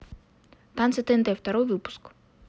танцы тнт второй выпуск